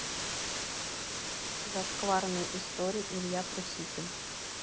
зашкварные истории илья прусикин